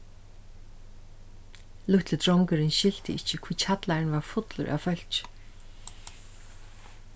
lítli drongurin skilti ikki hví kjallarin var fullur av fólki